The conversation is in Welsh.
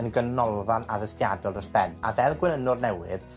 yn ganolfan addysgiadol dros ben. A Fel gwenynwr newydd,